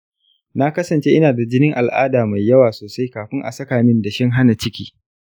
na kasance ina da jinin al'ada mai yawa sosai kafin a saka min dashen hana ciki .